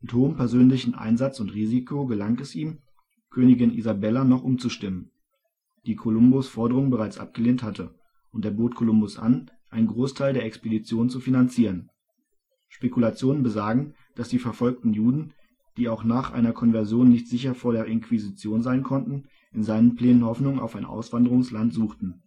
hohem persönlichen Einsatz und Risiko gelang es ihm, Königin Isabelle noch umzustimmen, die Kolumbus Forderungen bereits abgelehnt hatte und er bot Kolumbus an, einen Großteil der Expedition zu finanzieren. Spekulationen besagen, dass die verfolgten Juden, die auch nach einer Konversion nicht sicher vor der Inquisition sein konnten, in seinen Plänen Hoffnung auf ein Auswanderungsland suchten